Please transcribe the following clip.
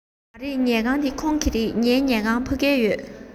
མ རེད ཉལ ཁང འདི ཁོང གི རེད ངའི ཉལ ཁང ཕ གི རེད